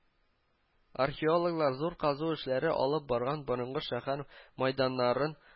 Археологлар зур казу эшләре алып барган борынгы шәһәр мәйданнарын